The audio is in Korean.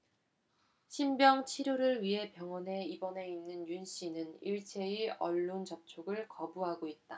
신병 치료를 위해 병원에 입원해 있는 윤씨는 일체의 언론 접촉을 거부하고 있다